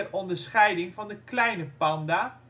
onderscheiding van de kleine panda